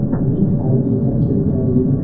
uning harbiydan kelganligining